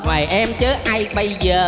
ngoàii em chớ ai bây giờ